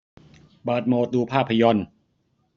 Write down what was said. เปิดโหมดดูภาพยนตร์